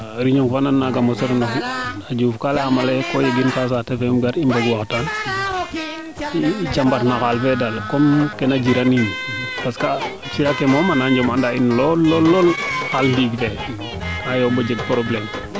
reunion fa nan naaga mosa fuliran o fi Diouf ka ley aama leye ko yegin kaa saate fe im gar i njeg waxtaan jambar no xaal fee daal kena jiran yiin parce que a cira ke moom a na njom ana in lool lool xaal nding ne ka yombo jeg probleme